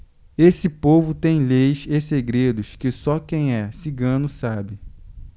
esse povo tem leis e segredos que só quem é cigano sabe